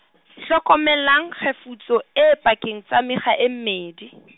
hlokomelang kgefutso e pakeng tsa mekga e mmedi .